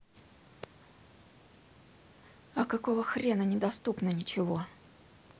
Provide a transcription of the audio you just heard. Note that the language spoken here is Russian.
а какого хрена недоступно ничего